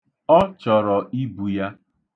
Ọ chọrọ ibu ya.